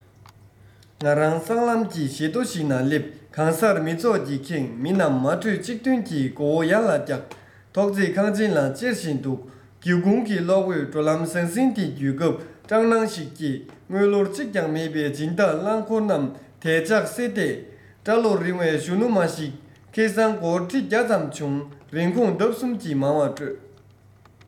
ང རང སྲང ལམ གྱི བཞི མདོ ཞིག ན སླེབས གང སར མི ཚོགས ཀྱིས ཁེངས མི རྣམས མ གྲོས གཅིག མཐུན གྱིས མགོ བོ ཡར ལ བཀྱགས ཐོག བརྩེགས ཁང ཆེན ལ ཅེར བཞིན འདུག སྒེའུ ཁུང གི གློག འོད འགྲོ ལམ ཟང ཟིམ དེ རྒྱུད སྐབས སྐྲག སྣང ཞིག བསྐྱེད དངུལ ལོར གཅིག ཀྱང མེད པའི སྦྱིན བདག རླངས འཁོར རྣམས དལ འཇགས སེ བསྡད སྐྲ ལོ རིང བའི གཞོན ནུ མ ཞིག ཁེ བཟང སྒོར ཁྲི བརྒྱ ཙམ བྱུང རིན གོང ལྡབ གསུམ གྱིས མང བར སྤྲོད